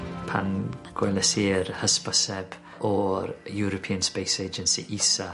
Pan gweles i'r hysbyseb o'r European Space Agency ISA